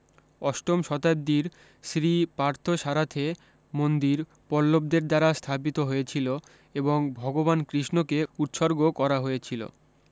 অষ্টম শতাব্দীর শ্রী পার্থসারাথে মন্দির পল্লবদের দ্বারা স্থাপিত হয়েছিলো এবং ভগবান কৃষ্ণকে উৎসর্গ করা হয়েছিলো